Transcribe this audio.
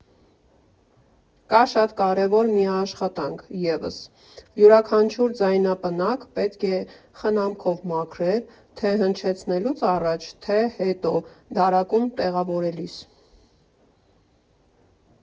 Կա շատ կարևոր մի աշխատանք ևս՝ յուրաքանչյուր ձայնապնակ պետք է խնամքով մաքրել, թե՛ հնչեցնելուց առաջ և թե հետո՝ դարակում տեղավորելիս։